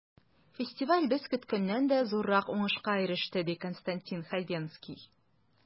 Фестиваль без көткәннән дә зуррак уңышка иреште, ди Константин Хабенский.